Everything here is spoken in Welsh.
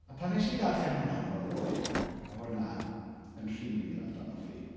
A pan wnes i ddarllen hwnna o'n i'n meddwl "wow". Mae hwnna yn rhy wir amdano fi.